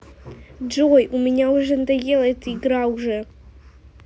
джой у меня уже надоела эта игра уже